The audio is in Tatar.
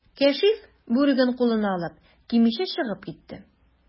Кәшиф, бүреген кулына алып, кимичә чыгып китте.